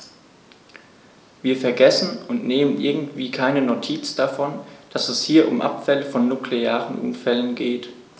Wir vergessen, und nehmen irgendwie keine Notiz davon, dass es hier um Abfälle von nuklearen Unfällen geht.